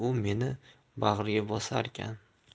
dedi u meni bag'riga bosarkan